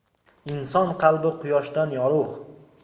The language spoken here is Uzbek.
inson qalbi quyoshdan yorug'